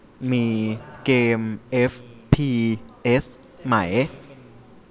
มีเกมเอฟพีเอสไหม